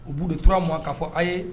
U b'u deura ma k'a fɔ' ye